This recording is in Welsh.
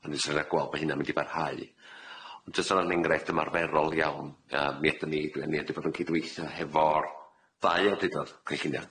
A neis i gael gwel' bo' hynna'n mynd i barhau. Ond jyst o ran enghraifft ymarferol iawn, yym mi ydan ni, hynny ydi, wedi bod yn cydweithio hefo'r ddau awdurdod cynllunio.